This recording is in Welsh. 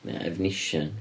Ia, Efnisien.